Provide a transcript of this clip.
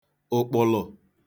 ụ̀kpụ̀lụ̀